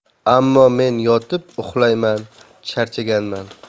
ammo men yotib uxlayman charchaganman